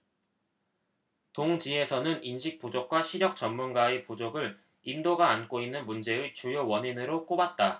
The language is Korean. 동 지에서는 인식 부족과 시력 전문가의 부족을 인도가 안고 있는 문제의 주요 원인으로 꼽았다